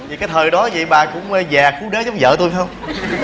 dậy cái thời đó dậy bà cũng già khú đế giống vợ tôi phải hông